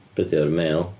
Be' 'di o? Mail?